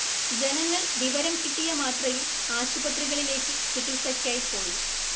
ജനങ്ങൾ വിവരം കിട്ടിയമാത്രയിൽ ആശുപത്രികളിലേക്ക് ചികിത്സക്കായി പോയി